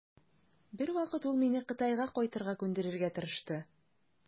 Бер вакыт ул мине Кытайга кайтырга күндерергә тырышты.